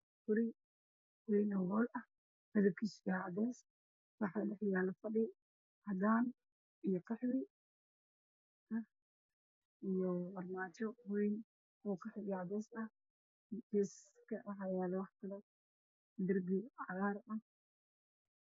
Meeshaan waa guri midabkiisu waa cadeys waxaa yaalo fadhi cadaan qaxwi, armaajo wayn oo qaxwi iyo cadeys, darbiga waxaa yaalo wax kale darbiga waa cagaar.